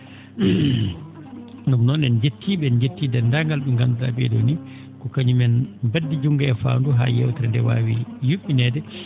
?um noon en njettii ?e en njettii deendaangal mo ngandu?aa ?ee ?oo nii ko kañum en mbaddi ?um e faandu haa yeewtere nde waawi yu??ineede